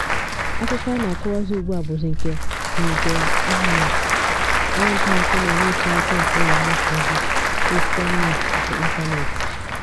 Akụkọ a na-akọkwazi ugbu a bụzi nke Virgile Ahouansè, onye ntaakụkọ na onye isi akụkọ nke ụlọ mgbasaozi 'Crystal News' nke ịntanetị.